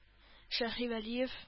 Шаһивәлиев